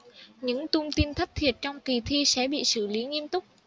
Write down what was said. những tung tin thất thiệt trong kỳ thi sẽ bị xử lý nghiêm túc